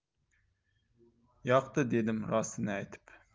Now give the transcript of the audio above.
yoqdi dedim rostini aytib